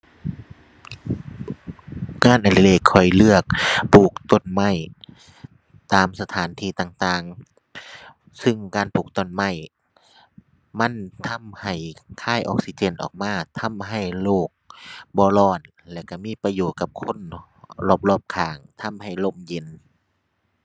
งานอดิเรกข้อยเลือก ปลูกต้นไม้ตามสถานที่ต่างต่าง ซึ่งการปลูกต้นไม้มันทำให้คายออกซิเจนออกมา ทำให้โลกบ่ร้อน แล้วก็มีประโยชน์กับคนเนาะ รอบรอบข้าง ทำให้ร่มเย็น